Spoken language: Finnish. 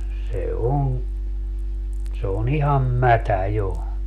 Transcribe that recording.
se on se on ihan mätä jo